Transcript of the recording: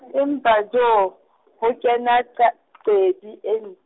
empa joo, ho kena qakedi e n-.